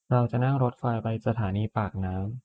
เราจะนั่งรถไฟไปสถานีปากน้ำ